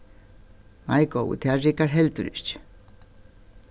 nei góði tað riggar heldur ikki